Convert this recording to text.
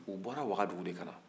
u bɔra wagadugu de ka na